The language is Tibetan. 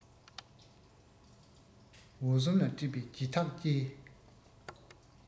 འོ ཟོམ ལ དཀྲིས པའི སྒྱིད ཐག བཅས